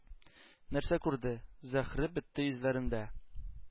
Нәрсә күрде?! — Зәһре бетте йөзләрендә,